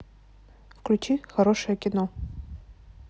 включи хорошее кино